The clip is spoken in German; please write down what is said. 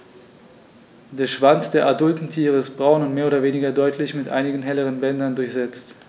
Der Schwanz der adulten Tiere ist braun und mehr oder weniger deutlich mit einigen helleren Bändern durchsetzt.